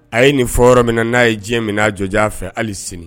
A ye nin fɔ yɔrɔ min na n'a ye diɲɛ minɛ a jɔjan fɛ hali sini.